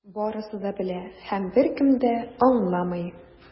Барысы да белә - һәм беркем дә аңламый.